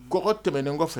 Kɔ tɛmɛnen kɔ kɔfɛ